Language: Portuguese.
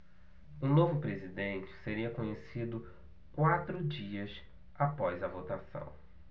o novo presidente seria conhecido quatro dias após a votação